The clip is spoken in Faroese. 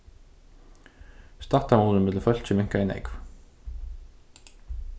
stættamunurin ímillum fólkið minkaði nógv